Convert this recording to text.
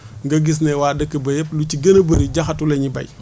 nga gis ne waa dëkk ba yëpp ñu ci bëree bëri jaxatu la ñuy béy